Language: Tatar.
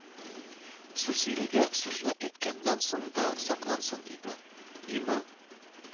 Сүз иреге сүзне әйткәннән соң да саклансын иде, име